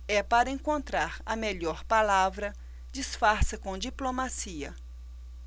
é para encontrar a melhor palavra disfarça com diplomacia